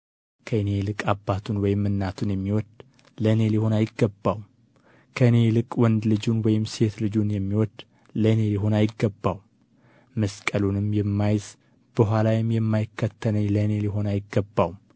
ከእኔ ይልቅ አባቱን ወይም እናቱን የሚወድ ለእኔ ሊሆን አይገባውም ከእኔ ይልቅም ወንድ ልጁን ወይም ሴት ልጁን የሚወድ ለእኔ ሊሆን አይገባውም መስቀሉንም የማይዝ በኋላዬም የማይከተለኝ ለእኔ ሊሆን አይገባውም